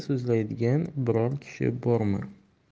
so'zlaydigan biror kishi bormi